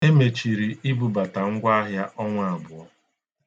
E mechiri ibubata ngwaahịa ọnwa abụọ.